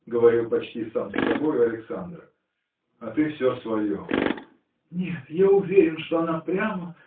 – говорил почти сам с собою Александр. – А ты все свое! – Нет я уверен что она прямо